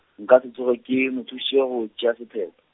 nka se tsoge ke, mothušitše go tšea sephetho.